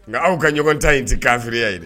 Nka anw ka ɲɔgɔn dan in tɛ kafiriya ye.